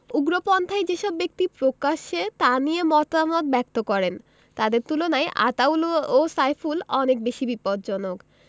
উগ্রপন্থায় যেসব ব্যক্তি প্রকাশ্যে তা নিয়ে মতামত ব্যক্ত করেন তাদের তুলনায় আতাউল ও সাইফুল অনেক বেশি বিপজ্জনক